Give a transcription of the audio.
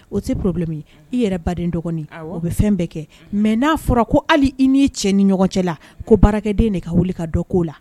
O se p i yɛrɛ baden dɔgɔnin o bɛ fɛn bɛɛ kɛ mɛ n'a fɔra ko hali i n'i cɛ ni ɲɔgɔn cɛ la ko baaraden de ka wuli ka dɔ ko la